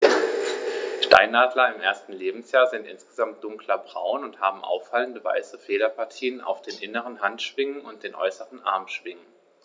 Steinadler im ersten Lebensjahr sind insgesamt dunkler braun und haben auffallende, weiße Federpartien auf den inneren Handschwingen und den äußeren Armschwingen.